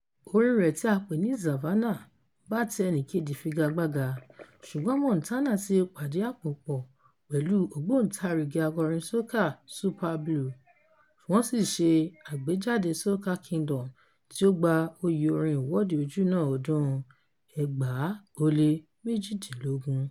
Orin rẹ̀ tí a pè ní "Savannah", bá ti ẹnìkejì figagbága, ṣùgbọ́n Montana tí pàdí-àpò-pọ̀ pẹ̀lú ògbóǹtarigi akọrin soca Superblue wọ́n sì ṣe àgbéjáde "Soca Kingdom", tí ó gba oyè orin Ìwọ́de Ojúná ọdún 2018.